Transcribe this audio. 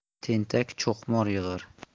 tentak cho'qmor yig'ar